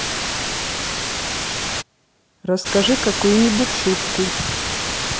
расскажи какую нибудь шутку